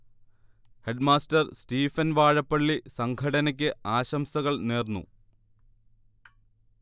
headmaster Stephen Vazhappally സംഘടനയ്ക്ക് ആശംസകൾ നേർന്നു